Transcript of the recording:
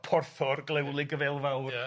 Porthwr Glewlyd Gyfeilfawr. Ia.